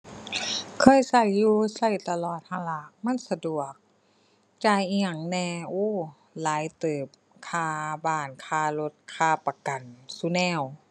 เคยใช้อยู่ ใช้ตลอดหั้นล่ะ มันสะดวก จ่ายอิหยังแหน่ โอ้ หลายเติบ ค่าบ้าน ค่ารถ ค่าประกันซุแนว